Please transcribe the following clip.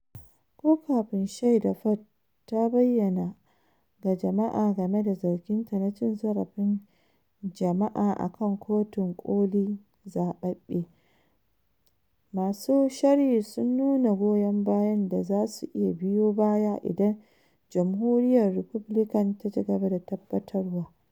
Ko kafin shaida Ford ta bayyana ga jama’a game da zarginta na cin zarafin jima'i akan Kotun Koli zababbe, masu sharhi sun nuna goyon bayan da za su iya biyo baya idan Jamhuriyyar Republican ta ci gaba da tabbatarwa.